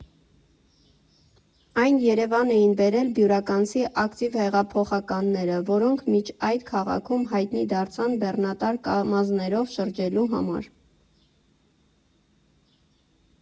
Այն Երևան էին բերել բյուրականցի ակտիվ հեղափոխականները, որոնք մինչ այդ քաղաքում հայտնի դարձան բեռնատար կամազներով շրջելու համար։